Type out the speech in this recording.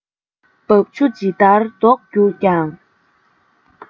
འབབ ཆུ ཇི ལྟར ལྡོག གྱུར ཀྱང